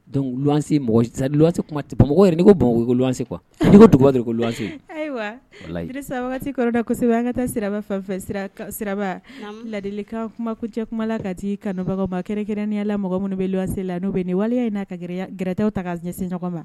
Dɔnkuc se luse yɛrɛ ko bon lanse kuwa dugu dug de ko lanse ayiwasa kɔrɔdasɛbɛ an ka taa sira fɛnfɛ sira ladili ka kuma cɛkuma la kati kanubagabakɛkɛrɛnyala mɔgɔ minnu bɛ lansela n'o bɛ nin waliya in'a kaɛrɛw ta ɲɛsinɲɔgɔn kan